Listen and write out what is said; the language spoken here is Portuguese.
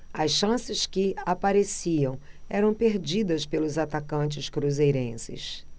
as chances que apareciam eram perdidas pelos atacantes cruzeirenses